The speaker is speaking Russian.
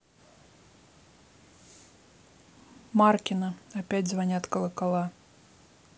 маркина опять звонят колокола